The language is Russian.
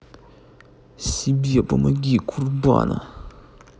себе помоги курбана